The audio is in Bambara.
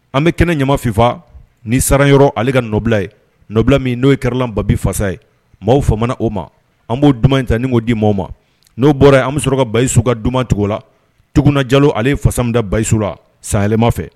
An bɛ kɛnɛ ɲamafinfa ni sara yɔrɔ ale ka nɔbila ye nɔbila min n'o ye kɛralan babi fasa ye maaw fa o ma an b'o duman in ta n k'o di maaw ma n'o bɔra an bɛ sɔrɔ ka basiyisu ka dumancogo la cogo na jalo ale fasa minda basiyisu la sanɛlɛma fɛ